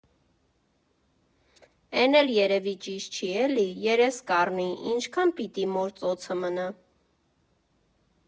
Էն էլ երևի ճիշտ չի, էլի, երես կառնի, ինչքա՞ն պիտի մոր ծոցը մնա։